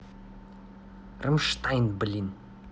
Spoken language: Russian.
rammstein блин